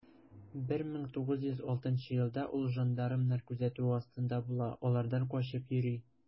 1906 елда ул жандармнар күзәтүе астында була, алардан качып йөри.